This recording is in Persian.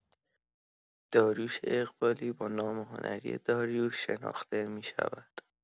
داریوش اقبالی با نام هنری داریوش شناخته می‌شود.